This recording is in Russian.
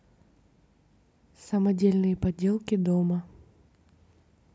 самодельные подделки дома